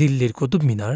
দিল্লির কুতুব মিনার